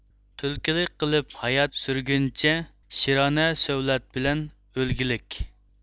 تۈلكىلىك قىلىپ ھايات سۈرگۈنچە شىرانە سۆۋلەت بىلەن ئۆلگىلىك